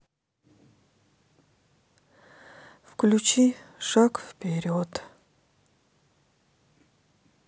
включи шаг вперед